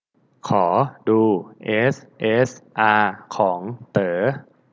ขอดูเอสเอสอาของเต๋อ